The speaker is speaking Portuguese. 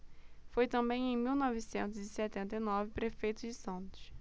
foi também em mil novecentos e setenta e nove prefeito de santos